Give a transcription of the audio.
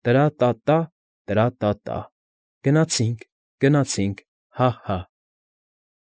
Տրա՛֊տա՛֊տա՛, տրա՛֊տա՛, տա՛, Գնացինք, Գնացինք, Հա՛֊հա՛։